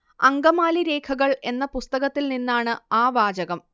അങ്കമാലി രേഖകൾ എന്ന പുസ്തകത്തിൽ നിന്നാണ് ആ വാചകം